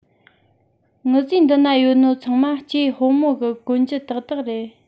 ངུ བཟོའི འདི ན ཡོད ནོ ཚང མ སྐྱེས ཧོ མོ གི གོན རྒྱུ དག དག རེད